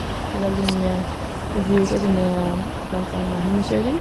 veldig mye Det drives også med blant anna hundekjøring.